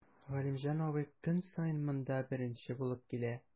Галимҗан абый көн саен монда беренче булып килә.